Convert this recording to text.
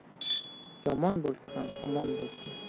yomon bo'lsa ham omon bo'lsin